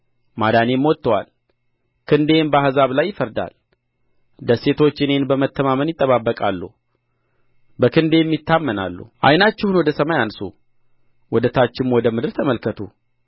ማዳኔም ወጥቶአል ክንዴም በአሕዛብ ላይ ይፈርዳል ደሴቶች እኔን በመተማመን ይጠባበቃሉ በክንዴም ይታመናሉ ዓይናችሁን ወደ ሰማይ አንሡ ወደ ታችም ወደ ምድር ተመልከቱ